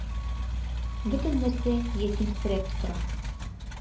Бөтен нәрсә ятимсерәп тора.